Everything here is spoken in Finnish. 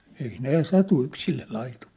ei ne satu yksille laitumille